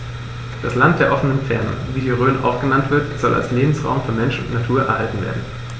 Das „Land der offenen Fernen“, wie die Rhön auch genannt wird, soll als Lebensraum für Mensch und Natur erhalten werden.